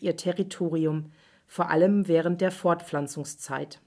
ihr Territorium, vor allem während der Fortpflanzungszeit